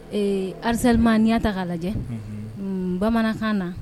Ee rizsari ma'ya ta k'a lajɛ bamanankan na